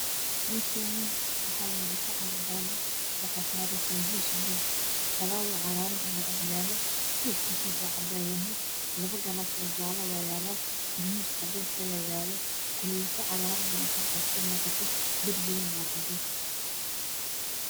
Meeshaan waxaa yaalo saxan cadaan ah waxaa saaran basanbuus iyo bur. Falaawar ayaa agyaalo dhulkiisuna waa cadaan yahay labo galaas oo jaala ayaa yaalo iyo tarmuus cadeys ah. Kululeyso cagaaran ayaa kamuuqato darbiguna Waa cadeys.